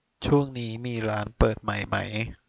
ช่วงนี้มีร้านเปิดใหม่ไหม